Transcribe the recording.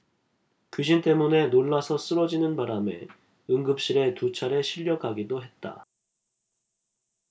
귀신 때문에 놀라서 쓰러지는 바람에 응급실에 두 차례 실려가기도 했다